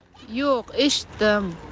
yo'q eshitdim